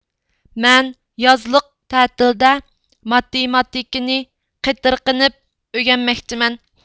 مەن يازلىق تەتىلدە ماتېماتىكىنى قېتىرقىنىپ ئۆگەنمەكچىمەن